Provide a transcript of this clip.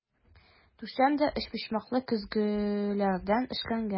Түшәм дә өчпочмаклы көзгеләрдән эшләнгән.